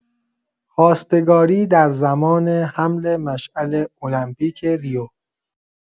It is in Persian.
خواستگاری در زمان حمل مشعل المپیک ریو!